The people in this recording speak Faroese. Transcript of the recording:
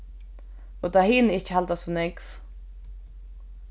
og tá hini ikki halda so nógv